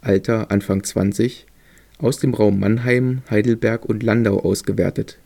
Alter: Anfang 20) aus dem Raum Mannheim, Heidelberg und Landau ausgewertet